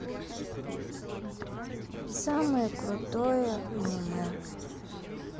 самое крутое аниме